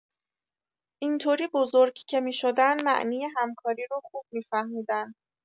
اینطوری بزرگ که می‌شدن معنی همکاری رو خوب می‌فهمیدن!